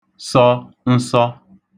sọ nsọ